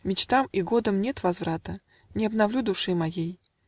Мечтам и годам нет возврата; Не обновлю души моей.